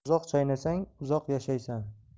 uzoq chaynasang uzoq yashaysan